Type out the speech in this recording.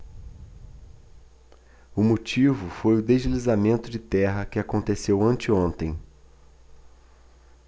o motivo foi o deslizamento de terra que aconteceu anteontem